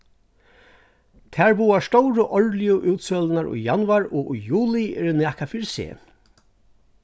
tær báðar stóru árligu útsølurnar í januar og í juli eru nakað fyri seg